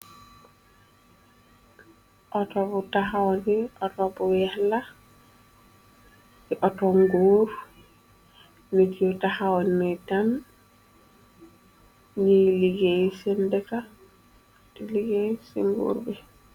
Autobu taxaw bi autobu weex la ci auto nguur nit yu taxawn ni tan ni liggéey cen deka diligeey cinguur bi.